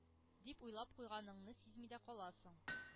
Дип уйлап куйганыңны сизми дә каласың.